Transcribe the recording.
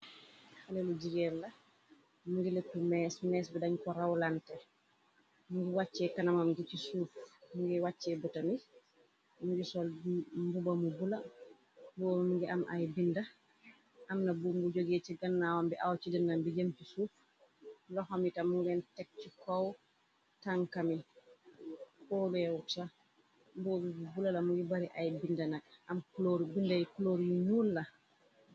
Beni jigeen la mungi lëtu mees mees bi dañ ko rawlante. Mungi wàccee kanamam gi ci suuf mu ngiy wàccee botani. Mungi sol mbubamu bula boob mingi am ay binda. Amna bu mbu jógee ci gannawam bi aw ci dënam bi jëmpi suuf loxamita mungeen tek ci kow tankami pooleeusa boob bu bula la. Mungi bari ay bindnak am binday kloor yu ñuul la.